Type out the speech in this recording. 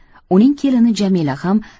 uning kelini jamila ham